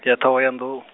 ya Ṱhohoyanḓou .